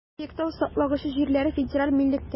Биектау саклагычы җирләре федераль милектә.